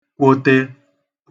-kwote